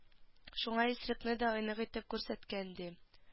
Шуңа исерекне дә айнык итеп күрсәткән ди